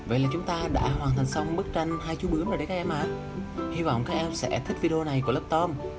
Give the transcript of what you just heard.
vậy là chúng ta đã hoàn thành xong bức tranh hai chú bướm rồi đấy các em à hy vọng các em sẽ thích video này của love tom